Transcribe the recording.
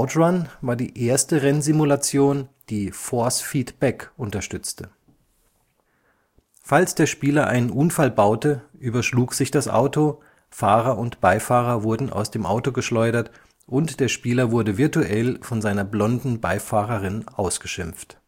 Run war die erste Rennsimulation, die Force-Feedback unterstützte. Falls der Spieler einen Unfall baute, überschlug sich das Auto, Fahrer und Beifahrer wurden aus dem Auto geschleudert, und der Spieler wurde virtuell von seiner blonden Beifahrerin ausgeschimpft